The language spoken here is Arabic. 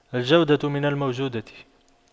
الجودة من الموجودة